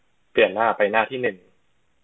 เปลี่ยนหน้าไปหน้าที่หนึ่ง